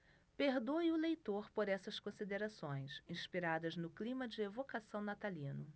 perdoe o leitor por essas considerações inspiradas no clima de evocação natalino